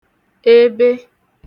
ebe